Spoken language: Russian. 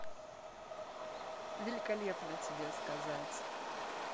великолепно тебе сказать